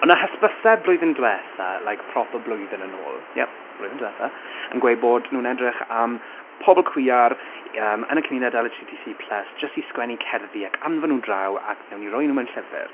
O' na hysbysau blwyddyn diwetha, like proper blwyddyn yn ôl, ie, blwyddyn diwetha, yn gweud bod nhw'n edrych am pobol cwiar yym yn y cymuned LHTC+, jyst i sgwennu cerddi ac "anfon nhw draw ac wnawn ni roi nhw mewn llyfr".